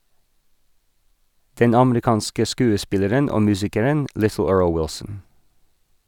Den amerikanske skuespilleren og musikeren "Little" Earl Wilson.